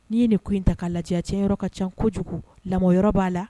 N'i ye nin ko in ta ka lajɛcɛyɔrɔ ka ca kojugu lamɔ yɔrɔ b'a la